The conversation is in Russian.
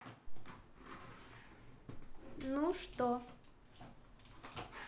ну что